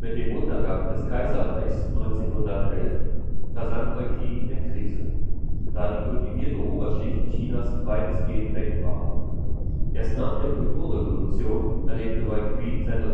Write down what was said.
dem Untergang des Kaiserreichs 1911 versank Weiqi in der Krise, da die kultivierte Oberschicht Chinas weitestgehend wegbrach. Erst nach der Kulturrevolution erlebte Weiqi seine